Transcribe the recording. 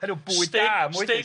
Hynny yw bwyd da